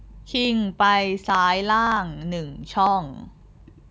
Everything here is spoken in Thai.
คิงไปซ้ายล่างหนึ่งช่อง